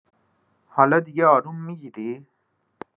حالا دیگه آروم می‌گیری؟